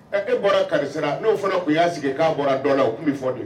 Ɛ e bɔra karisasira n'o fana tun y'a sigi k'a bɔra dɔn la o tun bɛ fɔ don